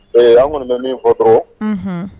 Ee an kɔnitan min fɔtɔ